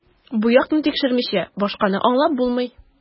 Бу якны тикшермичә, башканы аңлап булмый.